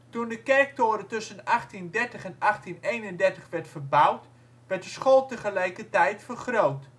Toen de kerktoren tussen 1830 en 1831 werd verbouwd, werd de school tegelijkertijd vergroot